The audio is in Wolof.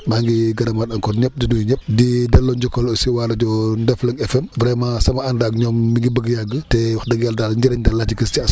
maa ngi gërëmaat encore ñëpp di nuyu ñëpp di delloo njukkël aussi waa rajo Ndefleng FM vraiment sama ànd ak ñoommi ngi bëgg a yàgg te wax dëgg yàlla daal njëriñ daal laa ci gis